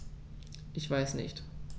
Ich weiß nicht.